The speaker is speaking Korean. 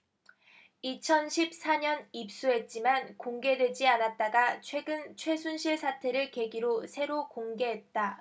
이천 십 사 년 입수했지만 공개되지 않았다가 최근 최순실 사태를 계기로 새로 공개했다